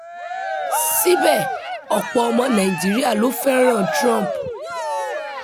Síbẹ̀, ọ̀pọ̀ ọmọ Nàìjíríà ló fẹ́ràn-an Trump.